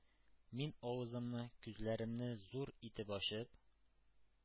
Мин, авызымны, күзләремне зур итеп ачып,